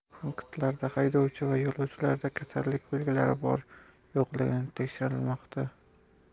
punktlarda haydovchi va yo'lovchilarda kasallik belgilari bor yo'qligi tekshirilmoqda